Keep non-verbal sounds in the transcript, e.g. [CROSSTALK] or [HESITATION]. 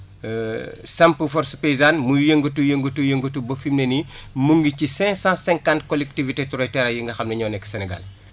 [HESITATION] samp force paysane muy yëngatu yëngatu yëngatu ba fi mu ne nii [BREATH] mu ngi ci cinq cent cinquante collectivités territoriales yi nga xam ne ñoo nekk Sénégal